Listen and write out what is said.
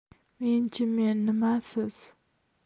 men chi men nima siz